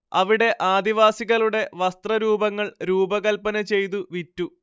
അവിടെ ആദിവാസികളുടെ വസ്ത്രരൂപങ്ങൾ രൂപകൽപ്പന ചെയ്തു വിറ്റു